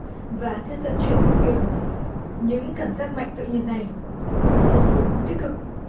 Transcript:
và chất dẫn truyền thần kinh những cảm giác mạnh tự nhiên này theo hướng tích cực